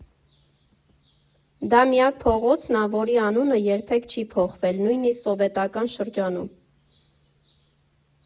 Դա միակ փողոցն ա, որի անունը երբեք չի փոխվել, նույնիսկ սովետական շրջանում.